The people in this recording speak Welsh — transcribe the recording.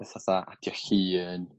petha 'tha adio llun